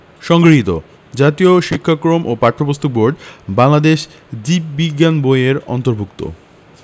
সংগৃহীত জাতীয় শিক্ষাক্রম ও পাঠ্যপুস্তক বোর্ড বাংলাদেশ জীব বিজ্ঞান বই এর অন্তর্ভুক্ত